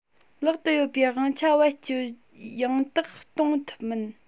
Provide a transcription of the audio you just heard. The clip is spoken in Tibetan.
ལག ཏུ ཡོད པའི དབང ཆ བེད སྤྱོད ཡང དག གཏོང ཐུབ མིན